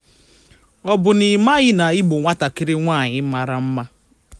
Ọ bụ na ị maghị na ị bụ nwatakịrị nwaanyị mara mma?